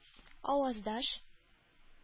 Аваздаш